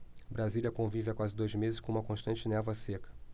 brasília convive há quase dois meses com uma constante névoa seca